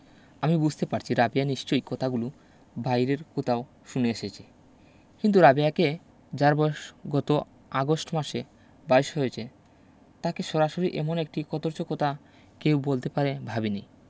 আমি বুঝতে পারছি রাবেয়া নিশ্চয়ই কথাগুলু বাইরর কুথাও শুনে এসেছে কিন্তু রাবেয়াকে যার বয়স গত আগস্ট মাসে বাইশ হয়েছে তাকে সরাসরি এমন একটি কদৰ্য কথা কেউ বলতে পারে ভাবিনি